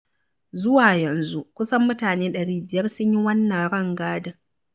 Zuwa yanzu, kusan mutane 500 sun yi wannan rangadin.